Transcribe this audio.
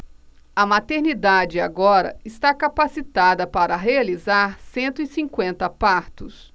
a maternidade agora está capacitada para realizar cento e cinquenta partos